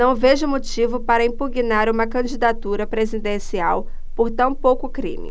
não vejo motivo para impugnar uma candidatura presidencial por tão pouco crime